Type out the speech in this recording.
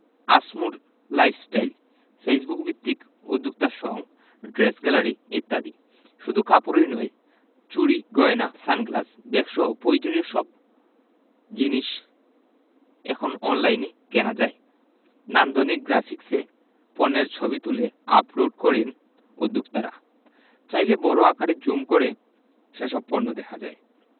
আসমোর lifestyle ফেসবুকভিত্তিক উদ্যোক্তা সঙ ড্রেস গ্যালারি ইত্যাদি শুধু কাপড়ই নয় চুড়ি গয়না সানগ্লাস ব্যাগসহ পয়োজনীয় প্রায় সব জিনিস এখন অনলাইনে কেনা যায় নান্দনিক গ্রাফিকসে পণ্যের ছবি তুলে আপলোড করেন উদ্যোক্তারা চাইলে বড় আকারে জুম করে সেসব পণ্য দেখা যায়